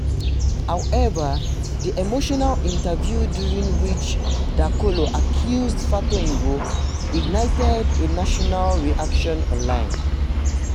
However, the emotional interview during which Dakolo accused Fatoyinbo ignited a national reaction online.